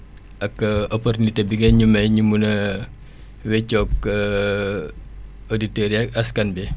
ak opportunité bi nga ñu may ñu mën a wéccoog auditeurs yi ak askan bi